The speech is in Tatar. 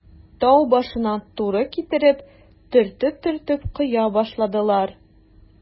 Тау башына туры китереп, төртеп-төртеп коя башладылар.